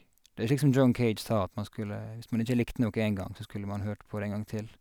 Det er slik som John Cage sa, at man skulle hvis man ikke likte noe én gang, så skulle man hørt på det en gang til.